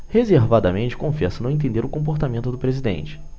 reservadamente confessa não entender o comportamento do presidente